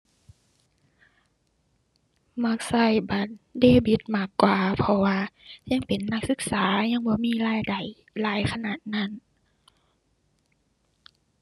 มักใช้บัตรเดบิตมากกว่า เพราะว่ายังเป็นนักศึกษายังบ่มีรายได้หลายขนาดนั้น